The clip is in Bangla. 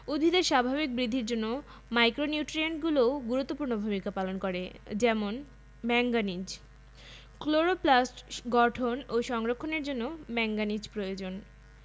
উদ্ভিদের স্বাভাবিক বৃদ্ধির জন্য মাইক্রোনিউট্রিয়েন্টগুলোও গুরুত্বপূর্ণ ভূমিকা পালন করে যেমন ম্যাংগানিজ ক্লোরোপ্লাস্ট গঠন ও সংরক্ষণের জন্য ম্যাংগানিজ প্রয়োজন